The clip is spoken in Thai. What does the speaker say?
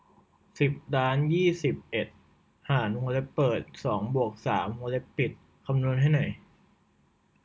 สิบล้านยี่สิบเอ็ดหารวงเล็บเปิดสองบวกสามวงเล็บปิดคำนวณให้หน่อย